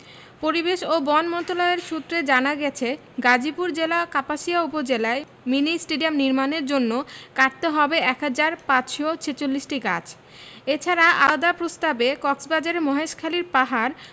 পরিবেশ ও বন মন্ত্রণালয় সূত্রে জানা গেছে গাজীপুর জেলার কাপাসিয়া উপজেলায় মিনি স্টেডিয়াম নির্মাণের জন্য কাটতে হবে এক হাজার ৫৪৬টি গাছ এছাড়া আলাদা প্রস্তাবে কক্সবাজারের মহেশখালীর পাহাড়